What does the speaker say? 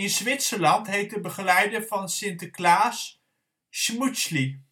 Zwitserland heet de begeleider van Sinterklaas Schmutzli